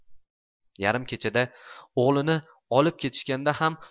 yarim kechada o'g'lini olib ketishganda ham